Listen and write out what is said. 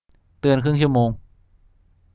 เตือนครึ่งชั่วโมง